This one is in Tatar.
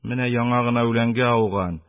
Менә яңа гына үләнгә ауган,